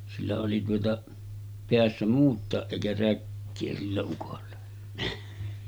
sillä oli tuota päässä muutakin eikä räkää sillä ukolla